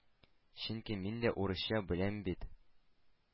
Чөнки мин дә урысча беләм бит.